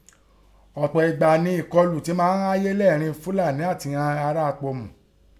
Ọ̀pọ̀ ìgbà nẹ ẹ̀kọlu ti máa á háyé lẹ́ẹ̀ẹ́rín Fúílànì àti ighọn irá Apòmù.